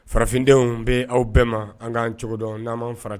Farafindenw bɛ aw bɛɛ ma an k'an cogo dɔn n'aan fara